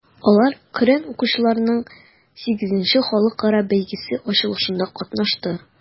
Алар Коръән укучыларның VIII халыкара бәйгесе ачылышында катнашты.